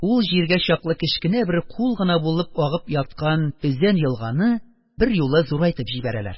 Ул җиргә чаклы кечкенә бер "кул" гына булып агып яткан өзән елганы берьюлы зурайтып җибәрәләр.